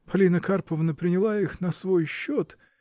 Полина Карповна приняла их на свой счет.